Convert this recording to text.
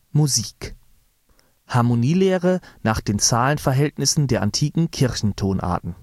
Musik: Harmonielehre nach den Zahlenverhältnissen der antiken Kirchentonarten